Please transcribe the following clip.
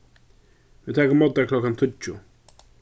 vit taka ímóti tær klokkan tíggju